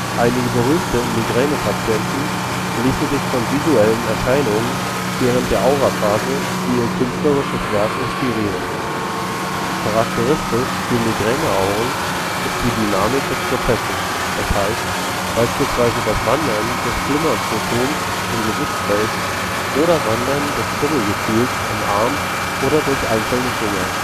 Einige berühmte Migränepatienten ließen sich von visuellen Erscheinungen während der Auraphase für ihr künstlerisches Werk inspirieren. Charakteristisch für Migräneauren ist die Dynamik des Prozesses, das heißt, beispielsweise das „ Wandern “des Flimmerskotoms im Gesichtsfeld oder Wandern des Kribbelgefühls im Arm oder durch die einzelnen Finger